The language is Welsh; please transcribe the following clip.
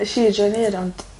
Nesh i joio'n 'un ond